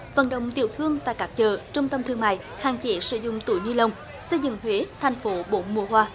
vận động tiểu thương tại các chợ trung tâm thương mại hạn chế sử dụng túi ni lông xây dựng huế thành phố bốn mùa hoa